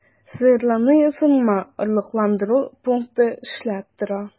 Сыерларны ясалма орлыкландыру пункты эшләп тора.